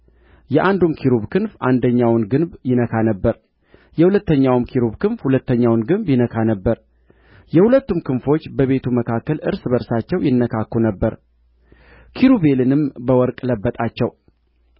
የአንዱም ኪሩብ ክንፍ አንደኛውን ግንብ ይነካ ነበር የሁለተኛውም ኪሩብ ክንፍ ሁለተኛውን ግንብ ይነካ ነበር የሁለቱም ክንፎች በቤቱ መካከል እርስ በርሳቸው ይነካኩ ነበር ኪሩቤልንም በወርቅ ለበጣቸው